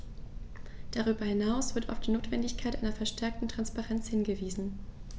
Darüber hinaus wird auf die Notwendigkeit einer verstärkten Transparenz hingewiesen.